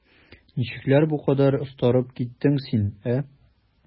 Ничекләр бу кадәр остарып киттең син, ә?